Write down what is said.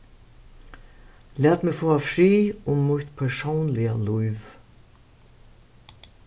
lat meg fáa frið um mítt persónliga lív